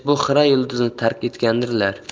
bu xira yulduzni tark etgandirlar